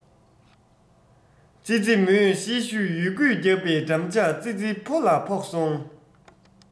ཙི ཙི མོས ཤེད ཤུགས ཡོད རྒུས བརྒྱབ པའི འགྲམ ལྕག ཙི ཙི ཕོ ལ ཕོག སོང